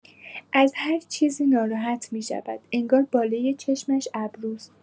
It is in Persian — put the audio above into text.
از هر چیزی ناراحت می‌شود، انگار بالای چشمش ابروست!